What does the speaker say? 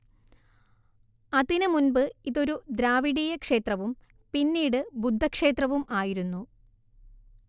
അതിനുമുൻപ് ഇതൊരു ദ്രാവിഡീയക്ഷേത്രവും പിന്നീട് ബുദ്ധക്ഷേത്രവും ആയിരുന്നു